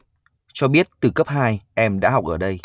cho biết từ cấp hai em đã học ở đây